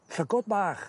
Llygod bach.